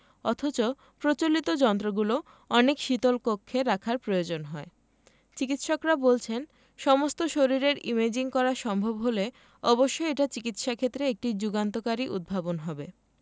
অথচ প্রচলিত যন্ত্রগুলো অনেক শীতল কক্ষে রাখার প্রয়োজন হয় চিকিত্সকরা বলছেন সমস্ত শরীরের ইমেজিং করা সম্ভব হলে অবশ্যই এটা চিকিত্সাক্ষেত্রে একটি যুগান্তকারী উদ্ভাবন হবে